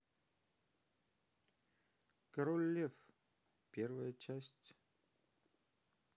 король лев первая часть